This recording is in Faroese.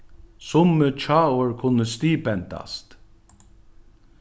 summi hjáorð kunnu stigbendast